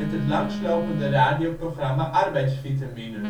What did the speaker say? het langstlopende radioprogramma Arbeidsvitaminen